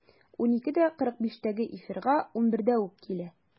12.45-тәге эфирга 11-дә үк килә.